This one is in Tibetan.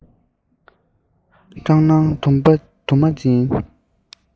སྐྲག སྣང དུ མ བྱིན